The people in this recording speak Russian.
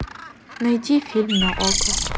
найди фильм на окко